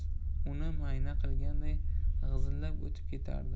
uni mayna qilganday g'izillab o'tib ketardi